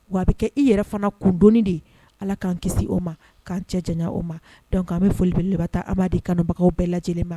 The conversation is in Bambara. Wa a bɛ kɛ i yɛrɛ fana kund de ala k'an kisi o ma k'an cɛ jan o ma dɔnku an bɛ foliele laban taa an debagaw bɛɛ lajɛ lajɛlen ma